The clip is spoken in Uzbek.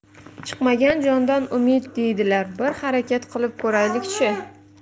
chiqmagan jondan umid deydilar bir harakat qilib ko'raylik chi